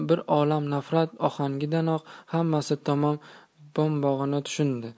bir olam nafrat ohangidanoq hammasi tamom bo'lganini tushundi